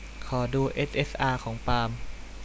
ขอดูเอสเอสอาของปาล์ม